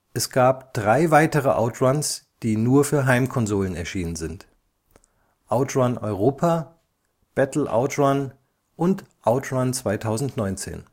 Es gab drei weitere Out Runs, die nur für Heimkonsolen erschienen sind: OutRun Europa, Battle Out Run, und OutRun 2019